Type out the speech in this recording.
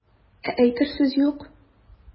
Ә әйтер сүз юк.